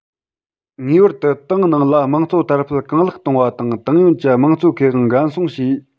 ངེས པར དུ ཏང ནང ལ དམངས གཙོ དར སྤེལ གང ལེགས གཏོང བ དང ཏང ཡོན གྱི དམངས གཙོའི ཁེ དབང འགན སྲུང བྱས